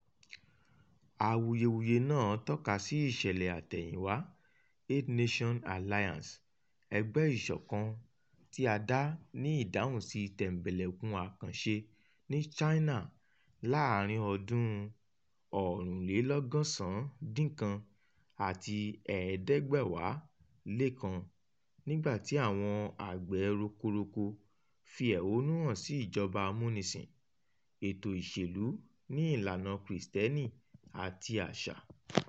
Awuyewuye náà tọ́ka sí ìṣẹ̀lẹ̀-àtẹ̀yìnwá Eight-Nation Alliance, ẹgbẹ́ ìṣọ̀kan tí a dá ní ìdáhùnsí Tẹ̀mbẹ̀lẹ̀kun Akànṣẹ́ ní China láàárín-in ọdún 1899 àti 1901 nígbàtí àwọn àgbẹ̀ rokoroko fi ẹ̀hónú hàn sí ìjọba amúnisìn, ètò ìṣèlú ní ìlànà Krìstẹ́nì àti àṣà.